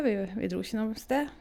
viv Vi dro ikke noe sted.